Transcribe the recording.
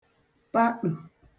paṭù